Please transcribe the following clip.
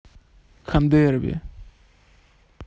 хандерби